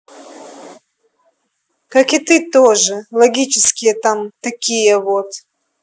как и ты тоже логические там такие вот